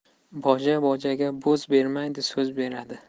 boja bojaga bo'z bermaydi so'z beradi